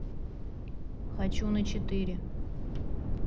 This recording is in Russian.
хожу на четыре